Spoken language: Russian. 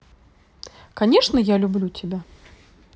конечно я люблю тебя